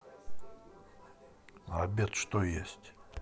на обед что есть